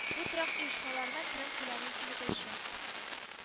Бу торак оешмаларына керем күләмен киметәчәк